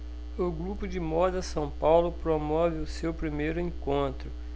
o grupo de moda são paulo promove o seu primeiro encontro